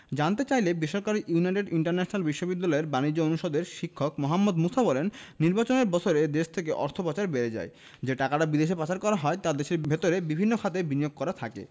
জানতে চাইলে বেসরকারি ইউনাইটেড ইন্টারন্যাশনাল বিশ্ববিদ্যালয়ের বাণিজ্য অনুষদের শিক্ষক মোহাম্মদ মুসা বলেন নির্বাচনের বছরে দেশ থেকে অর্থ পাচার বেড়ে যায় যে টাকাটা বিদেশে পাচার করা হয় তা দেশের ভেতরে বিভিন্ন খাতে বিনিয়োগ করা থাকে